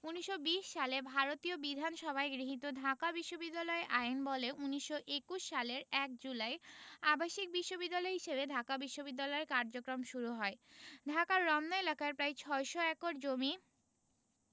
১৯২০ সালে ভারতীয় বিধানসভায় গৃহীত ঢাকা বিশ্ববিদ্যালয় আইনবলে ১৯২১ সালের ১ জুলাই আবাসিক বিশ্ববিদ্যালয় হিসেবে ঢাকা বিশ্ববিদ্যালয়ের কার্যক্রম শুরু হয় ঢাকার রমনা এলাকার প্রায় ৬০০ একর জমি